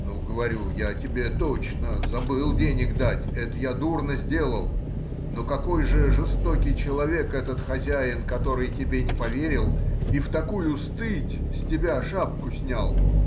— Ну,— говорю,— я тебе, точно, забыл денег дать,— это я дурно сделал, но какой же жестокий человек этот хозяин, который тебе не поверил и в такую стыдь с тебя шапку снял.